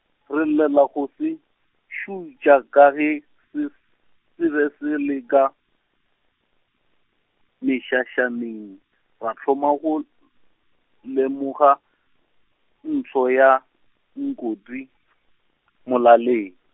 re ile la go se, šutša ka ge, se, se be se le ka, mešašaneng ra thoma go, lemoga, ntho ya, nkoti , molaleng.